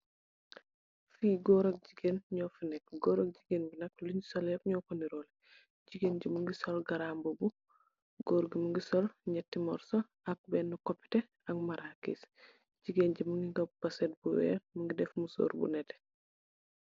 Ki goor ak jigeen nyew fi nehki, goor ak jigeen luisol yep nyew ko ndiroleh, jigeen bi muugei sol garambubu goor bi sol nyehtt morso ak behnin kopiteh ak marakis, jigeen bu mugeig goopp poset bu weeh mugei def mbu sor bu nehteh.